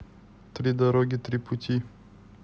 три дороги три пути